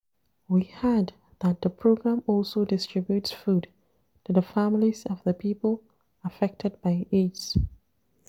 GV: We heard that the programme also distributes food to the families of the people affected by AIDS.